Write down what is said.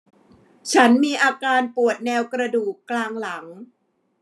ฉันมีอาการปวดแนวกระดูกกลางหลัง